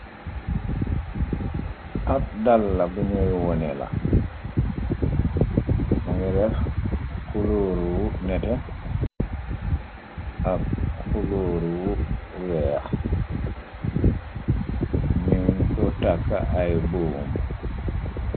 Ab dàlla buñuy wone la mo ngi reex xu lóoruwu nete ab xu lóoruwu weex ñuñ ko tàkk ay boum.